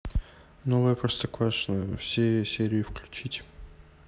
новое простоквашино все серии включить